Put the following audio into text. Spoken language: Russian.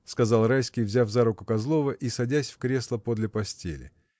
— сказал Райский, взяв за руку Козлова и садясь в кресло подле постели.